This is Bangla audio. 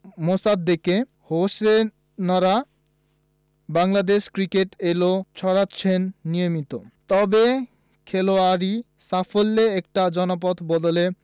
মোসাদ্দেক হোসেনরা বাংলাদেশ ক্রিকেটে আলো ছড়াচ্ছেন নিয়মিত তবে খেলোয়াড়ি সাফল্যে একটা জনপদ বদলে